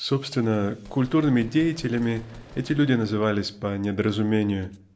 Собственно "культурными деятелями" эти люди назывались по недоразумению